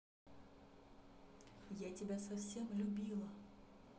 я тебя совсем любила